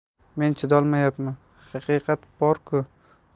men chidolmayapman haqiqat bor